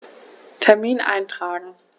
Termin eintragen